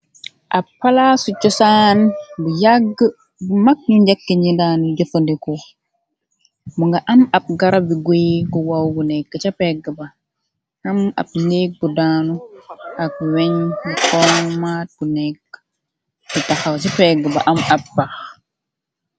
Ab palasu chosaan bu yagga bu mag ñu njekke ni daanu jëfandeko mu nga am ab garabi guy gu waw bu nekk ca pegg ba am ab neeg bu daanu ak weñbu xommaat bu nekk bu taxaw ci pegg ba am ab pax.